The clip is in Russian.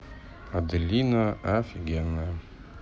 аделина офигенная